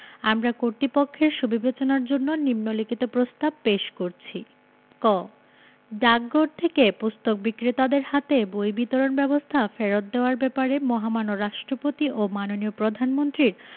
আমরা কর্তৃপক্ষের সুবিবেচনার জন্য নিন্ম লিখিত প্রস্তাব পেশ করছি ক ডাকঘর থেকে পুস্তক বিক্রেতাদের হাতে বই বিতরণ ব্যবস্থা ফেরত দেওয়ার ব্যাপারে মহামান্য রাষ্ট্রপতি ও মাননীয় প্রধানমন্ত্রীর